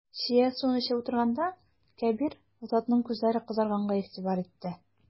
Чия суын эчеп утырганда, Кәбир Азатның күзләре кызарганга игътибар итте.